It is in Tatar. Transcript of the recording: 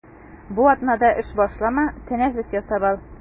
Бу атнада эш башлама, тәнәфес ясап ал.